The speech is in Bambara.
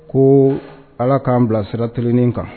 Ko ala k'an bila sira tnen kan